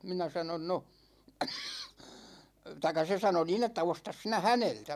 minä sanoin no tai se sanoi niin että osta sinä häneltä